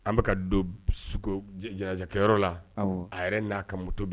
An bɛka ka don jɛnɛkɛyɔrɔ la a yɛrɛ n'a ka muto bɛɛ